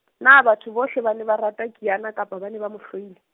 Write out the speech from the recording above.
na batho bohle ba ne ba rata Kiana kapa ba ne ba mo hloile?